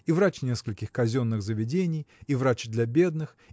и врач нескольких казенных заведений и врач для бедных